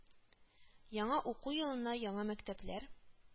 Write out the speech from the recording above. Яңа уку елына яңа мәктәпләр